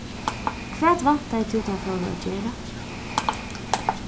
hvat væntaði tú teir fóru at gera